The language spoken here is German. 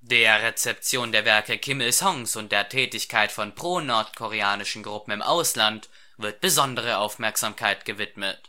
Der Rezeption der Werke Kim Il-sungs und der Tätigkeit von pro-nordkoreanischen Gruppen im Ausland wird besondere Aufmerksamkeit gewidmet. Eine